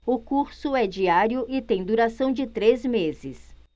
o curso é diário e tem duração de três meses